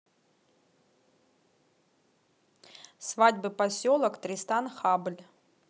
свадьбы поселок тристан хабль